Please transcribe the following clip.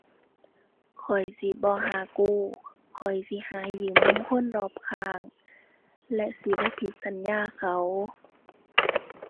ข้อยสิบ่หากู้ ข้อยสิหายืมนำคนรอบข้าง และสิบ่ผิดสัญญาเขา